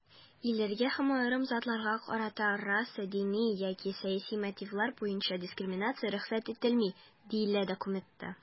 "илләргә һәм аерым затларга карата раса, дини яки сәяси мотивлар буенча дискриминация рөхсәт ителми", - диелә документта.